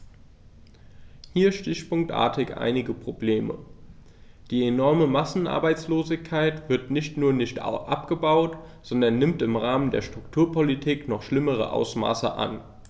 Hier stichpunktartig einige Probleme: Die enorme Massenarbeitslosigkeit wird nicht nur nicht abgebaut, sondern nimmt im Rahmen der Strukturpolitik noch schlimmere Ausmaße an.